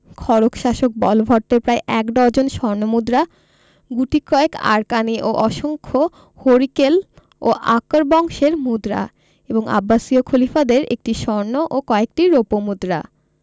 খড়গ শাসক বলভট্টের প্রায় এক ডজন স্বর্ণ মুদ্রা গুটি কয়েক আরাকানি ও অসংখ্য হরিকেল ও আকর বংশের মুদ্রা এবং আব্বাসীয় খলিফাদের একটি স্বর্ণ ও কয়েকটি রৌপ্য মুদ্রা